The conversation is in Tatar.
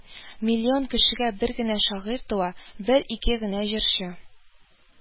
Миллион кешегә бер генә шагыйрь туа, бер-ике генә җырчы